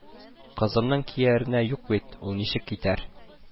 – кызымның кияренә юк бит, ул ничек китәр